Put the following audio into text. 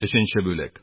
Өченче бүлек